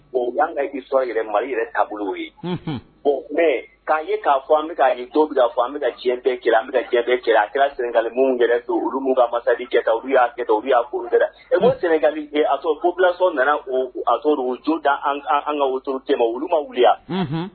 O yan ka sɔrɔ yɛrɛ mali yɛrɛ taabolo ye o mɛ k'an ye k'a fɔ an bɛ k' jo da fɔ an bɛ ka diɲɛ bɛɛ kɛ an bɛ diɲɛɛn cɛ a kɛra senkali minnu yɛrɛ don olu minnu ka masadika olu y'a kɛw y'a ɛ sɛnɛkali ye y' sɔrɔ ko bilaso nana a sɔrɔ jo an ka tutɛ wuma wuya